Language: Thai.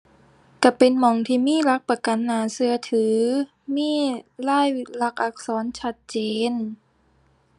ก็เป็นหม้องที่มีหลักประกันน่าก็ถือ มีลายลักษณ์อักษรชัดเจน